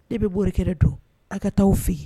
Ne bɛ bɔ kɛlɛ don aw ka taaaw fɛ